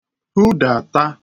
hudàta